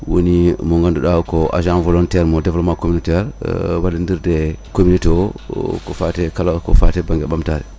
woni mo ganduɗa ko agent volontaire mo développementn communautaire wallodirde e communauté ko fati kala ko fate banggue ɓamtare